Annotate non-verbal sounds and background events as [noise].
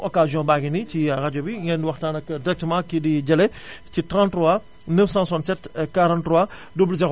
occasion baa ngi nii ci [hesitation] rajo bi mun ngeen waxtaan ak directement kii di Jalle ci 33 967 43 [inhales] 00